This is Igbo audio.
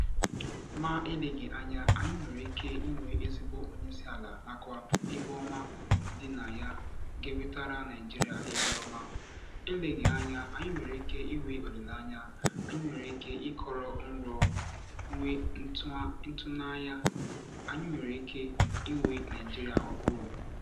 Ma eleghị anya, anyị nwere ike inwe ezigbo Onyeisiala nakwa ihuọma dị n'aha ya ga-ewetara Naịjirịa iheọma, eleghịanya, anyị nwere ike inwe olileanya, anyị nwere ike ịrọ nrọ, nwe itunanya, anyị nwere ike inwe Naịjirịa ohụrụ.